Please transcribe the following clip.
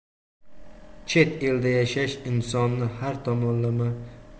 chet elda yashash insonni har